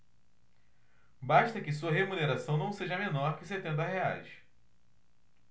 basta que sua remuneração não seja menor que setenta reais